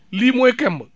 lii mooy kemb